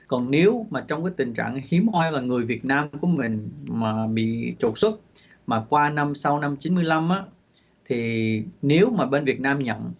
còn níu mà trong cái tình trạng hiếm hoi và người việt nam mình mà bị trục xuất mà qua năm sau năm chín mươi lăm á thì níu mà bên việt nam nhận